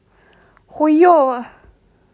хуево